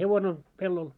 hevonen on pellolla